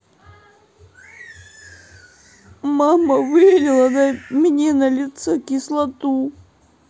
мама вылила мне на лицо кислоту